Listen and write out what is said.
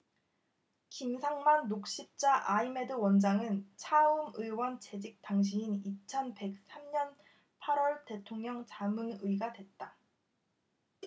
김상만 녹십자아이메드 원장은 차움의원 재직 당시인 이천 백 삼 년 팔 월 대통령 자문의가 됐다